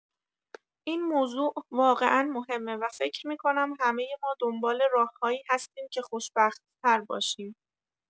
این موضوع واقعا مهمه و فکر می‌کنم همۀ ما دنبال راه‌هایی هستیم که خوشبخت‌تر باشیم.